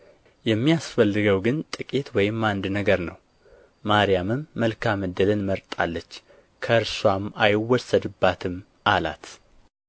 የሚያስፈልገው ግን ጥቂት ወይም አንድ ነገር ነው ማርያምም መልካም ዕድልን መርጣለች ከእርስዋም አይወሰድባትም አላት